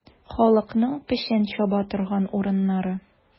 Халыкның печән чаба торган урыннары.